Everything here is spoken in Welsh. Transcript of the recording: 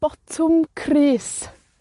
Botwm Crys